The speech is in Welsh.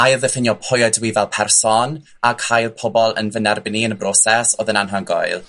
ail ddiffinio pwy ydw i fel person, a cael pobol yn fy nerbyn i yn y broses, odd e'n anhygoel.